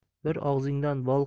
bir og'izdan bol